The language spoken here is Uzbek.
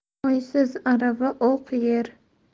moysiz arava o'q yer